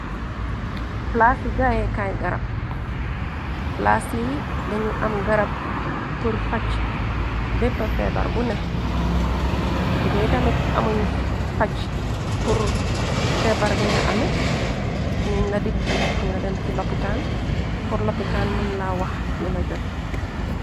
Palaas yi jaaye kaay garab palaas yi dañu am garab pur facch bépp feebar bu nex bu dan tamit amuñ facc ur feebar bi nga ame dinañu la diktal pur nga dem ci loppitaan pur loppitaan mën la wax lila jot.